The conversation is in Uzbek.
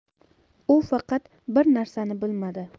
u faqat bir narsani bilmadi